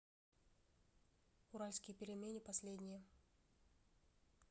уральские пельмени последнее